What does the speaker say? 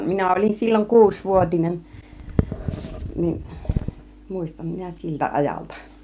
minä olin silloin kuusivuotinen niin muistan minä siltä ajalta